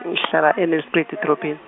ngihlala e- Nelspruit edrobheni.